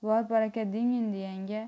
bor baraka deng endi yanga